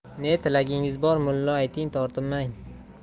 ne tilagingiz bor mullo ayting tortinmang